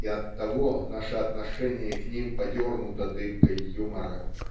и оттого наше отношение к ним подернуто дымкой юмора.